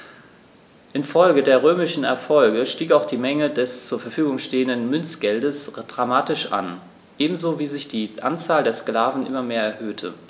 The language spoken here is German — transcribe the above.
Infolge der römischen Erfolge stieg auch die Menge des zur Verfügung stehenden Münzgeldes dramatisch an, ebenso wie sich die Anzahl der Sklaven immer mehr erhöhte.